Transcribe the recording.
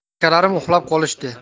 akalarim uxlab qolishdi